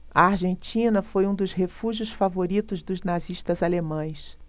a argentina foi um dos refúgios favoritos dos nazistas alemães